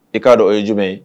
I k'a dɔn o ye jumɛn ye